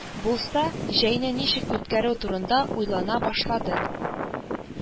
Булса, җәйне ничек үткәрү турында уйлана башладык